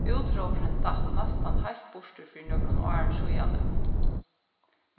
útróðurin datt næstan heilt burtur fyri nøkrum árum síðani